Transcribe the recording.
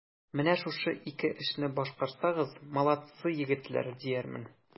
Менә шушы ике эшне башкарсагыз, молодцы, егетләр, диярмен.